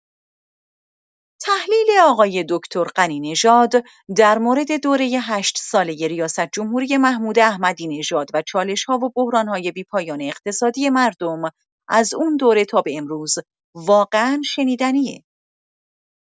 تحلیل آقای دکتر غنی نژاد، در مورد دورۀ ۸ سالۀ ریاست‌جمهوری محمود احمدی‌نژاد و چالش‌ها و بحران‌های بی‌پایان اقتصادی مردم از اون دوره تا به امروز واقعا شنیدنیه!